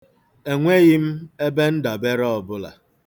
Enweghị m ebe ndabere ọbụla.